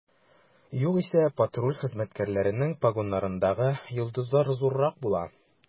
Югыйсә, патруль хезмәткәрләренең погоннарындагы йолдызлар зуррак була.